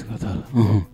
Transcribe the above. unhun